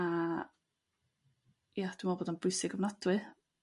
A, ia dwi me'wl bod o'n bwysig ofnadwy.